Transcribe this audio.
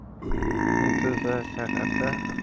meduzashaharda avtobus temiryo'l